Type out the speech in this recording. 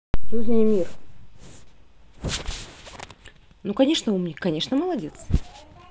ну конечно умник конечно молодец